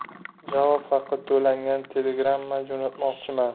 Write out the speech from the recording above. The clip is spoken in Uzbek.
javob haqi to'langan telegramma jo'natmoqchiman